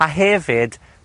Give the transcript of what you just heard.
A hefyd,